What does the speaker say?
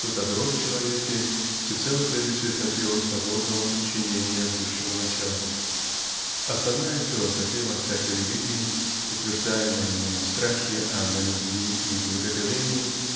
что добро в человеке всецело зависит от его свободного подчинения высшему началу. Основная философема всякой религии утверждаемой не на страхе а на любви и благоговении